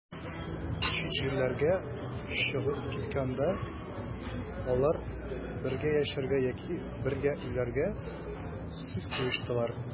Чит җирләргә чыгып киткәндә, алар бергә яшәргә яки бергә үләргә сүз куештылар.